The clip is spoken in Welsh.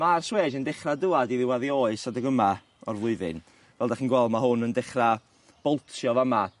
ma'r swêj y'n dechra dŵad i ddiwadd 'i oes adeg yma o'r flwyddyn fel 'dach chi'n gweld ma' hwn yn dechra boltio fa' 'ma.